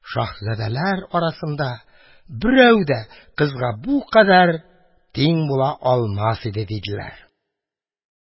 Шаһзадәләр арасында берәү дә кызга бу кадәр тиң була алмас иде! – диделәр.